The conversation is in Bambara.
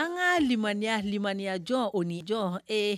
An ka maniya limaya jɔn o ni jɔn ee